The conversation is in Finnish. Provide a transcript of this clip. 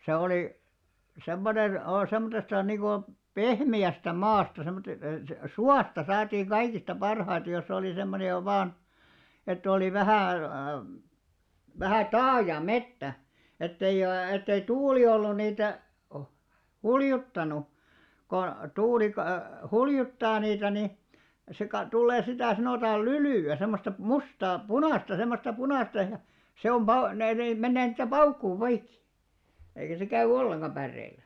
se oli semmoinen - semmoisesta niin kuin pehmeästä maasta -- suosta saatiin kaikista parhaita jos oli semmoinen jo vain että oli vähän vähän taaja metsä että ei että ei tuuli ollut niitä huljuttanut kun tuuli - huljuttaa niitä niin se - tulee sitä sanotaan lylyä semmoista mustaa punaista semmoista punaista ja se on - ne ne menee niin että paukkuu poikki eikä se käy ollenkaan päreillä